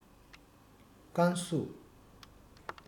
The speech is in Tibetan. ཀན སུའུ